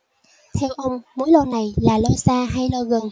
theo ông mối lo này là lo xa hay lo gần